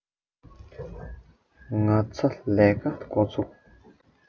ང ཚ ལས ཀ འགོ ཚུགས